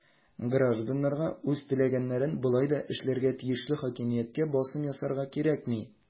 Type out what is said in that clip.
Гражданнарга үз теләгәннәрен болай да эшләргә тиешле хакимияткә басым ясарга кирәкми.